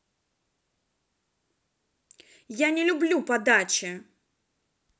я не люблю подачи